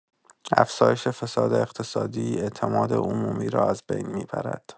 افزایش فساد اقتصادی، اعتماد عمومی را از بین می‌برد.